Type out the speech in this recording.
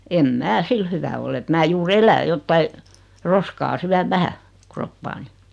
en minä sillä hyvä ole että minä juuri elän jotakin roskaa syön vähän kroppaani